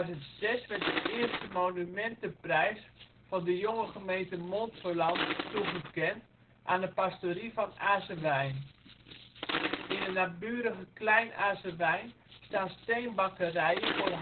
In 2006 werd de eerste Monumentenprijs van de jonge gemeente Montferland toegekend aan de pastorie van Azewijn. In het naburige Klein-Azewijn staan steenbakkerijen voor